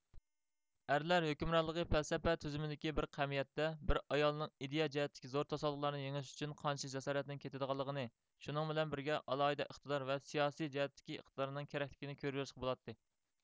ئەرلەر ھۆكۈمرانلىقى پەلسەپە تۈزۈمدىكى بىر قەمىيەتتە بىر ئايالنىڭ ئىدىيە جەھەتتىكى زور توسالغۇلارنى يېڭىش ئۈچۈن قانچىلىك جاسارەتنىڭ كېتىدىغانلىقىنى شۇنىڭ بىلەن بىرگە ئالاھىدە ئىقتىدار ۋە سىياسىي جەھەتتىكى ئىقتىدارنىڭ كېرەكلىكىنى كۆرۈۋېلىشقا بولاتتى